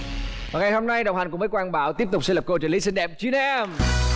ngày hôm nay đồng hành cùng với quang bảo tiếp tục sẽ là cô trợ lý xinh đẹp chi na